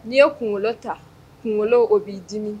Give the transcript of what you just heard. N'i ye kunkolo ta kunkolo o b'i dimi.